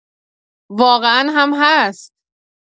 واقعا هم هست.